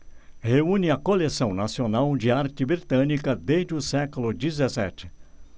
reúne a coleção nacional de arte britânica desde o século dezessete